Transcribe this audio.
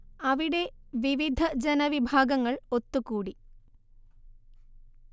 അവിടെ വിവിധ ജനവിഭാഗങ്ങൾ ഒത്തുകൂടി